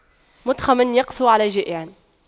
مُتْخَمٌ يقسو على جائع